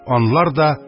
Анлар да,